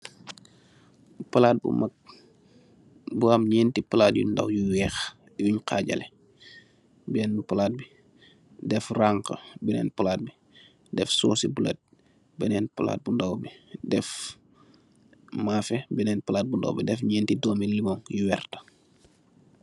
Palat bu mak bu am ñénti palat yu ndaw yui wèèx yun xajaleh. Benna palat bi def ranxa benen palat bi def sóósi bulet benen palat bu ndaw bi def maafeh benen palat bu ndaw def ñénti doomi lemon yu werta.